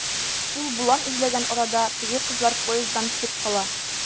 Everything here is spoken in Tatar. Ул болан эзләгән арада, теге кызлар поезддан төшеп кала.